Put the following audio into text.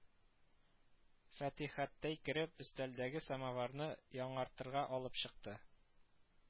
Фатихәттәй кереп өстәлдәге самоварны яңартырга алып чыкты